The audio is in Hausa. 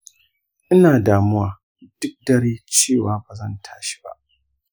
ina damuwa duk dare cewa ba zan tashi ba.